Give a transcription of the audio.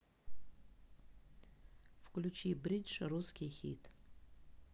включи бридж русский хит